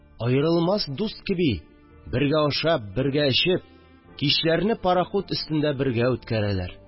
Аерылмас дуст кеби, бергә ашап, бергә эчеп, кичләрне пароход өстендә бергә үткәрәләр